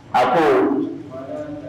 A